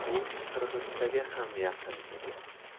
u qirg'izchaga ham yaqin edi